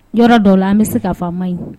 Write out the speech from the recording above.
Yɔrɔ dɔw la an bɛ se ka fa ɲi